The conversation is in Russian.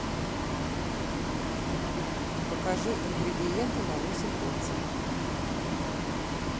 покажи ингредиенты на восемь порций